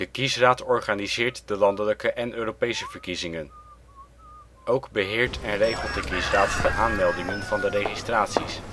Kiesraad organiseert de landelijke en Europese verkiezingen. Ook beheert en regelt de kiesraad de aanmeldingen van de registraties